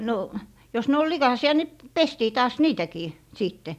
no jos ne oli likaisia niin - pestiin taas niitäkin sitten